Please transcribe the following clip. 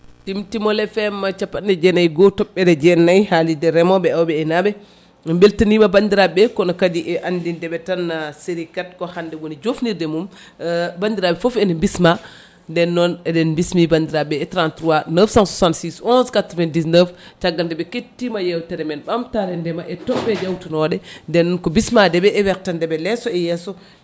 Timtimol FM capanɗe jeenayyi e goho toɓɓere jeenayyi haalirde remoɓe awoɓe e aynaɓe min beltanima bandiraɓe kono kadi e andindeɓe tan série 4 ko hande woni jofnirde mum baniraɓe foof ene bisma nden noon eɗen bismi bandirɓe e 33 966 11 99 caggal deɓe kettima yewtere men ɓamtare ndeema e toɓɓe jawtunoɗe nden ko baismadeɓe e wertandeɓe leeso e yesso